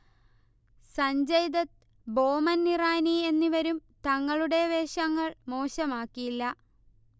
സഞ്ജയ്ദത്ത്, ബോമൻ ഇറാനി എന്നിവരും തങ്ങളുടെ വേഷങ്ങൾ മോശമാക്കിയില്ല